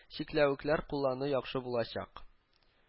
Чикләвекләр куллану яхшы булачак